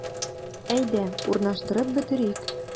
Әйдә, урнаштырып бетерик.